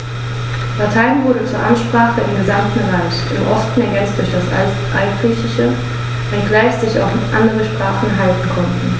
Latein wurde zur Amtssprache im gesamten Reich (im Osten ergänzt durch das Altgriechische), wenngleich sich auch andere Sprachen halten konnten.